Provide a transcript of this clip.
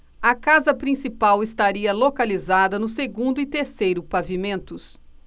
a casa principal estaria localizada no segundo e terceiro pavimentos